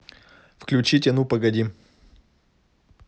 включите ну погоди